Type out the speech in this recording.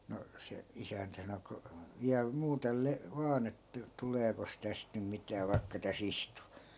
no se isäntä sanoi kun vielä muuten - vain että tuleekos tästä nyt mitään vaikka tässä istuu